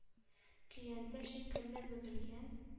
Көянтә шикелле бөгелгән.